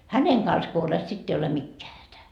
hänen kanssa kun olet sitten ei ole mikään hätä